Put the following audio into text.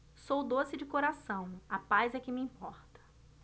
sou doce de coração a paz é que me importa